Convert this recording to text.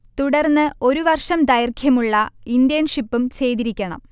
തുടർന്ന് ഒരു വർഷം ദൈർഘ്യമുള്ള ഇന്റേൺഷിപ്പും ചെയ്തിരിക്കണം